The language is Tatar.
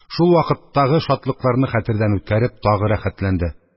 Шул вакыттагы шатлыкларны хәтердән үткәреп, тагы рәхәтләнде.